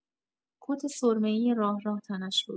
کت سرمه‌ای راه‌راه تنش بود.